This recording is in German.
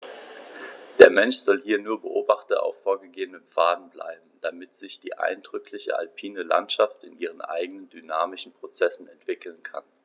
Der Mensch soll hier nur Beobachter auf vorgegebenen Pfaden bleiben, damit sich die eindrückliche alpine Landschaft in ihren eigenen dynamischen Prozessen entwickeln kann.